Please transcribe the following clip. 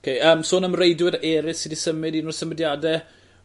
'K yym sôn am reidwyr eryll sy 'di symud un o'r symudiade